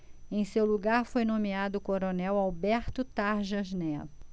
em seu lugar foi nomeado o coronel alberto tarjas neto